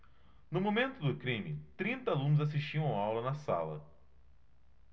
no momento do crime trinta alunos assistiam aula na sala